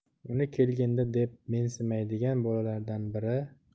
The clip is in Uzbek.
uni kelgindi deb mensimaydigan bolalardan biri